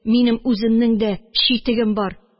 Минем үземнең дә читегем бар